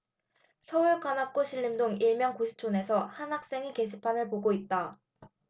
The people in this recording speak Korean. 서울 관악구 신림동 일명 고시촌에서 한 학생이 게시판을 보고 있다